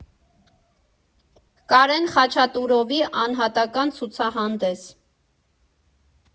Կարեն Խաչատուրովի անհատական ցուցահանդես։